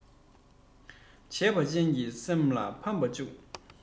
བྱས པ ཅན གྱི སེམས པ ཕམ མ འཇུག